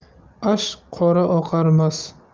ash qora oqarmas